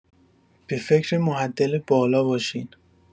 به فکر معدل بالا باشین.